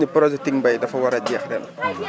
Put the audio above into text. gis nañu ne projet Ticmbay dafa war a jeex ren